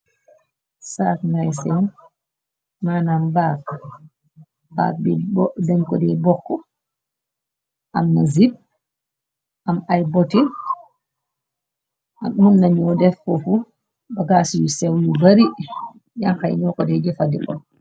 saak nay sen manam baak pap bi dënkone bokk am mazib am ay boti ak mun naño def fofu bagas yu sew yu bari janxey ño kode jëfa dixop